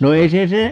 no ei se se